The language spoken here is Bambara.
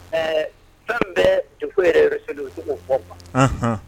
Ɛɛ fɛn bɛ dugu yɛrɛ cogo fɔ ma